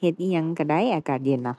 เฮ็ดอิหยังร้อนได้อากาศเย็นน่ะ